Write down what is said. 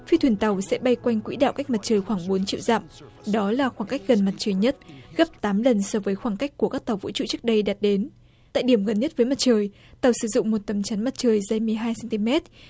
phi thuyền tàu sẽ bay quanh quỹ đạo cách mặt trời khoảng một triệu dặm đó là khoảng cách gần mặt trời nhất gấp tám lần so với khoảng cách của các tàu vũ trụ trước đây đạt đến tại điểm gần nhất với mặt trời tàu sử dụng một tấm chắn mặt trời giày mười hai xen ti mét